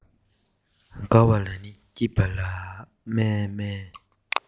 དགའ བ ལ ནི སྐྱིད པ ལ མཱེ མཱེ